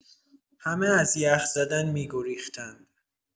همه از یخ زدن می‌گریختند.